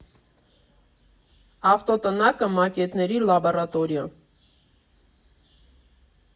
Ավտոտնակը՝ մակետների լաբորատորիա։